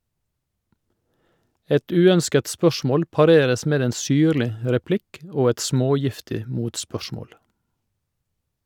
Et uønsket spørsmål pareres med en syrlig replikk og et smågiftig motspørsmål.